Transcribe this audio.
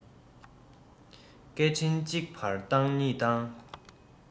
སྐད འཕྲིན གཅིག བཏང གཉིས བཏང